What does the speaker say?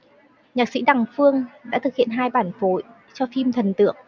nhạc sĩ đằng phương đã thực hiện hai bản phối cho phim thần tượng